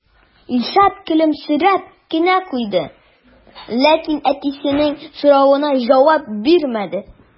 Илшат көлемсерәп кенә куйды, ләкин әтисенең соравына җавап бирмәде.